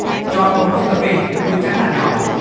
cho muỗng cafe muối trắng hạt nhỏ